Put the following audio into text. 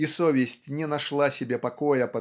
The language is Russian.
и совесть не нашла себе покоя